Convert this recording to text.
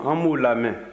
an b'u lamɛn